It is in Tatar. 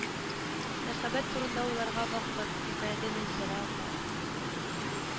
Мәхәббәт турында уйларга вакыт тимәде мәйсәрә апа